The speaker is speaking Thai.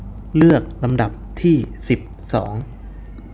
เลือกลำดับที่สิบสอง